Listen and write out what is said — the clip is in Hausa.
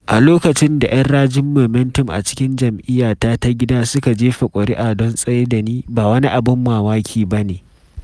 A lokacin da ‘yan rajin Momentum a cikin jam’iyyata ta gida suka jefa kuri’a don tsaida ni, ba wani abin mamaki ne ba.